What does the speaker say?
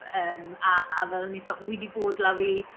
Yym, a a fel o'n i'n sôn wi 'di bod lawr i...